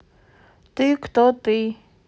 ты кто ты